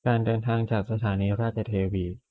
การเดินทางจากสถานีราชเทวี